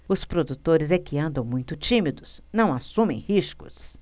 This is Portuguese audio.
os produtores é que andam muito tímidos não assumem riscos